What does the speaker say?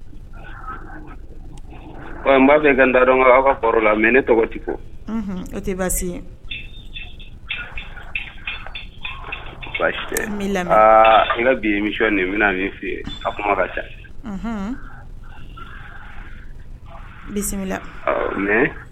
' fɛn ka taa dɔn aw ka kɔrɔ la mɛ ne tɔgɔ kɔ o tɛ baasi i bi misi nin bɛna min fɛ a kuma ka taa bisimila mɛ